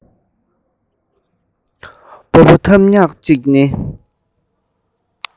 པོ སྤོ ཐབས ཉག གཅིག ནི